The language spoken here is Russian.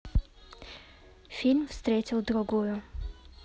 фильм встретил другую